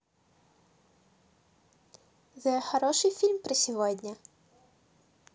the хороший фильм про сегодня